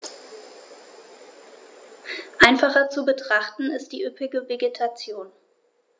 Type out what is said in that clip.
Einfacher zu betrachten ist die üppige Vegetation.